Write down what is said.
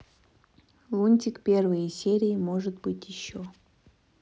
лунтик первые серии может быть еще